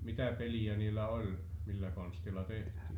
mitä pelejä niillä oli millä konstilla tehtiin